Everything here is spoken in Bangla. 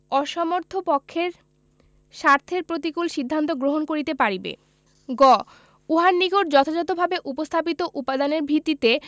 অসমর্থ পক্ষের স্বার্থের প্রতিকুল সিদ্ধান্ত গ্রহণ করিতে পারিবে গ উহার নিকট যথাযথভাবে উপস্থাপিত উপাদানের ভিত্তিতে